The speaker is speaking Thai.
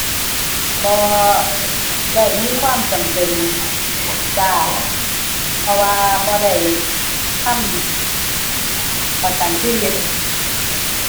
บ่ได้มีความจำเป็นจ้า เพราะว่าบ่ได้ทำประกันชีวิต